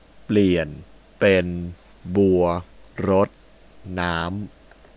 เปลี่ยนเป็นบัวรดน้ำ